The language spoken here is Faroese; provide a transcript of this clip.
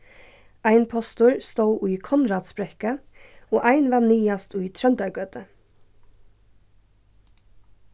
ein postur stóð í konradsbrekku og ein var niðast í tróndargøtu